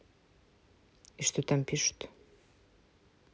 и что там пишут